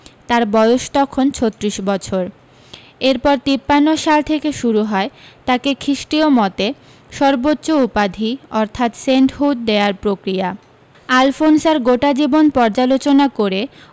তাঁর বয়স তখন ছত্রিশ বছর এরপর তিপান্ন সাল থেকে শুরু হয় তাঁকে খীষ্টীয় মতে সর্বোচ্চ উপাধি অর্থাৎ সেন্টহুড দেওয়ার প্রক্রিয়া আলফোনসার গোটা জীবন পর্যালোচনা করে